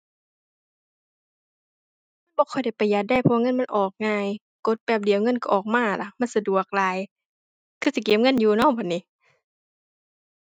บ่ค่อยได้ประหยัดเดะเพราะเงินมันออกง่าย กดแป๊บเดียวเงินก็ออกมาละ มันสะดวกหลาย คือสิเก็บเงินอยู่น้อบัดนี้